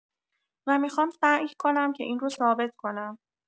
و می‌خوام سعی کنم که این رو ثابت کنم.